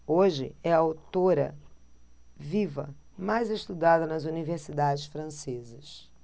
hoje é a autora viva mais estudada nas universidades francesas